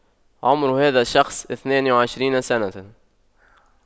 عمر هذا الشخص اثنان وعشرين سنة